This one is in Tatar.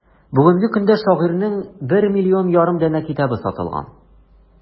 Бүгенге көндә шагыйрәнең 1,5 миллион данә китабы сатылган.